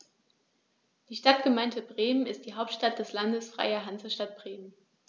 Die Stadtgemeinde Bremen ist die Hauptstadt des Landes Freie Hansestadt Bremen.